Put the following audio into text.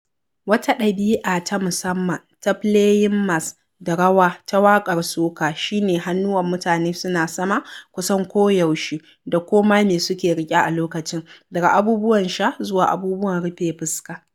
Wata ɗabi'a ta musamman ta "playing mas" da rawa ta waƙar soca shi ne, hannuwan mutane suna sama, kusan koyaushe da ko ma me suke riƙe a lokacin, daga abubuwan sha zuwa abubuwan rufe fuska.